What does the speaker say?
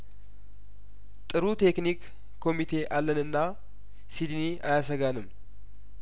ጥሩ ቴክኒክ ኮሚቴ አለን እና ሲድኒ አያሰጋንም